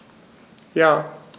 Ja.